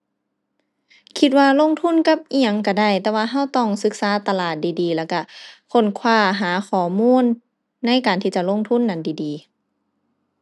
คิดว่าลงทุนกับอิหยังก็ได้ แต่ว่าก็ต้องศึกษาตลาดดีดี แล้วก็ค้นคว้าหาข้อมูลในการที่จะลงทุนนั้นดีดี